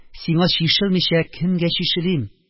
Сиңа чишелмичә кемгә чишелим?